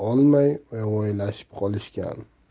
olmay yovvoyilashib qolishgan